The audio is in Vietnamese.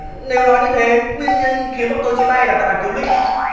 nếu nói như thế nguyên nhân khiến bọn tôi chia tay là tại bà kiều linh